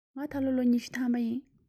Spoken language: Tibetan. ང ད ལོ ལོ ཉི ཤུ ཐམ པ རེད